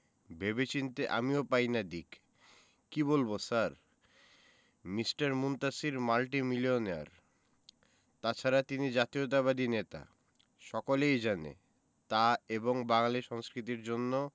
ভেবে চিন্তে আমিও পাই না দিক কি বলব স্যার মিঃ মুনতাসীর মাল্টিমিলিওনার তাছাড়া তিনি জাতীয়তাবাদী নেতা সকলেই জানে তা এবং বাঙালী সংস্কৃতির জন্য